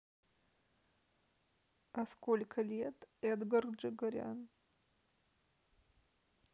а сколько лет эдгар джагарян